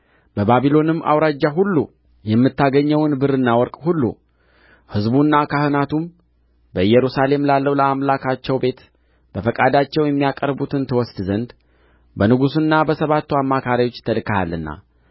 በባቢሎንም አውራጃ ሁሉ የምታገኘውን ብርና ወርቅ ሁሉ ሕዝቡና ካህናቱም በኢየሩሳሌም ላለው ለአምላካቸው ቤት በፈቃዳቸው የሚያቀርቡትን ትወስድ ዘንድ በንጉሡና በሰባቱ አማካሪዎች ተልከሃልና